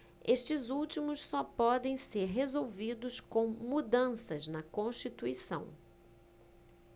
estes últimos só podem ser resolvidos com mudanças na constituição